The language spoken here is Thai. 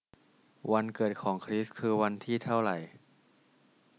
วันเกิดของคริสคือวันที่เท่าไร